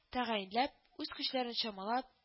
Тәгаенләп үз көчләрен чамалап